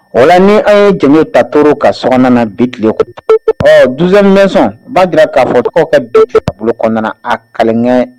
Wala ni aw ye jeliw ta to ka so na bi tile ɔ bɛson baa jirara k'a fɔ tɔgɔkɛ bɛɛ kɛ bolo kɔnɔna a kakɛ